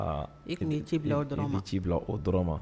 E ka' ci bila aw dɔrɔn bɛ ci bila o dɔrɔn ma